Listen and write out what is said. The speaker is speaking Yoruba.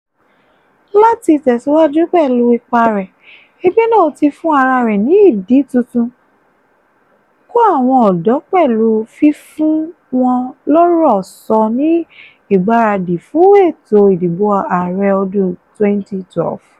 Láti tẹ̀síwájú pẹ̀lú ipa rẹ̀, ẹgbẹ́ náà ti fún ara rẹ̀ ní ìdí tuntun: kó àwọn ọ̀dọ́ pẹ̀lú fífún wọn lórọ̀ sọ ní ìgbáradì fún ètò ìdìbò ààrẹ ọdún 2012.